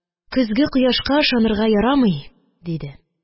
Көзге кояшка ышанырга ярамый, – диде.